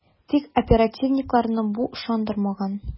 Тик оперативникларны бу ышандырмаган ..